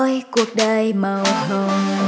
ôi cuộc đời màu hồng